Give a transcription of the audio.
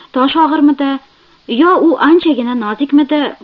tosh og'irmidi yo u anchagina nozikmidi